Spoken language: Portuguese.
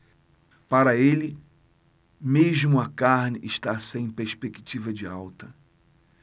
para ele mesmo a carne está sem perspectiva de alta